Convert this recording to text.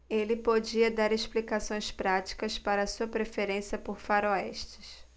ele podia dar explicações práticas para sua preferência por faroestes